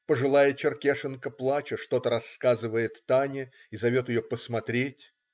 Пожилая черкешенка плача что-то рассказывает Тане и зовет ее посмотреть.